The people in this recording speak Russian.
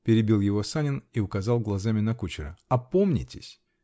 -- перебил его Санин и указал глазами на кучера, -- опомнитесь !